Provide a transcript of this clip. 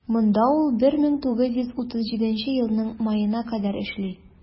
Монда ул 1937 елның маена кадәр эшли.